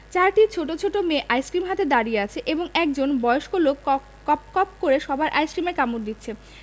চারটি ছোট ছোট মেয়ে আইসক্রিম হাতে দাড়িয়ে আছে এবং একজন বয়স্ক লোক কপ কপ করে সবার আইসক্রিমে কামড় দিচ্ছে